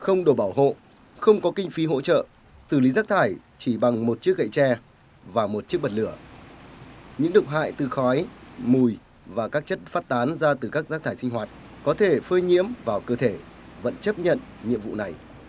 không đồ bảo hộ không có kinh phí hỗ trợ xử lý rác thải chỉ bằng một chiếc gậy tre vào một chiếc bật lửa những độc hại từ khói mùi và các chất phát tán ra từ các rác thải sinh hoạt có thể phơi nhiễm vào cơ thể vẫn chấp nhận nhiệm vụ này